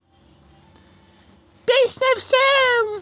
песня всем kiss kiss